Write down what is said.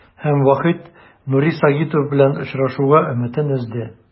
Һәм Вахит Нури Сагитов белән очрашуга өметен өзде.